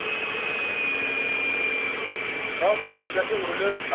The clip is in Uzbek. tog'u toshlarga urilib